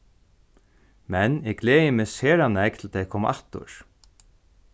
men eg gleði meg sera nógv til tey koma aftur